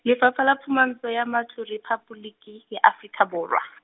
Lefapha la Phumantsho ya Matlo, Rephaboliki, ya Afrika Borwa.